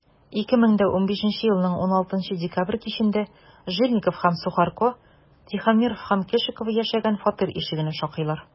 2015 елның 16 декабрь кичендә жильников һәм сухарко тихомиров һәм кешикова яшәгән фатир ишегенә шакыйлар.